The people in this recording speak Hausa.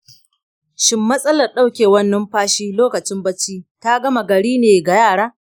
shin matsalar daukewar numfashi lokacin barci ta gama gari ne ga yara?